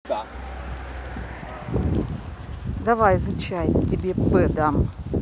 давай изучай тебе пизды дам